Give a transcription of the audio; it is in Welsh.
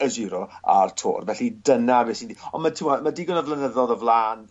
y Giro a'r Tour felly dyna be' sy'n di...- On' ma' t'mod ma' digon o flynyddodd o flan